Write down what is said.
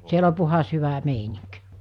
siellä on puhdas hyvä meininki